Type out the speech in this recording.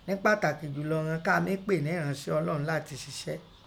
nẹ́pataki jùlọ ìghon ká a mí pè nẹ́ “ẹ̀ranse Ọlọ́un” lati sisẹ.